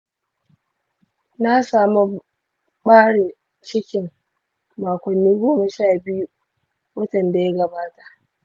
na samu ɓarin cikin makonni goma sha biyu watan da ya gabata.